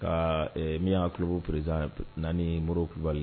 Kaa ɛɛ min y'an ŋa club président ye pr Nani Modibo Kulibali